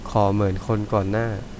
ขอเหมือนคนก่อนหน้า